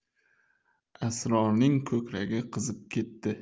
asrorning ko'kragi qizib ketdi